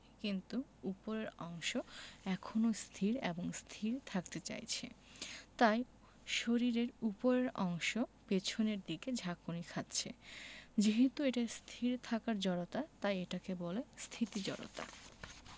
কিন্তু শরীরের ওপরের অংশ এখনো স্থির এবং স্থির থাকতে চাইছে তাই শরীরের ওপরের অংশ পেছনের দিকে ঝাঁকুনি খাচ্ছে যেহেতু এটা স্থির থাকার জড়তা তাই এটাকে বলে স্থিতি জড়তা